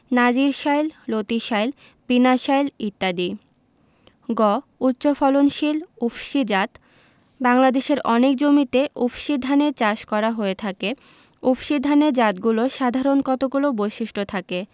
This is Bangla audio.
নাজির শাইল লতিশাইল বিনাশাইল ইত্যাদি গ উচ্চফলনশীল উফশী জাতঃ বাংলাদেশের অনেক জমিতে উফশী ধানের চাষ করা হয়ে থাকে উফশী ধানের জাতগুলোর সাধারণ কতগুলো বৈশিষ্ট্য থাকে